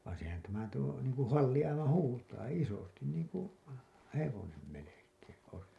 vaan sehän tämä tuo niin kuin halli aivan huutaa isosti niin kuin hevonen melkein olisi